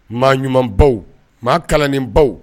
Maa ɲuman baw maa kalanin baw